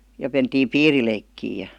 ja mentiin piirileikkiä ja